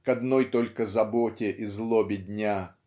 к одной только заботе и злобе дня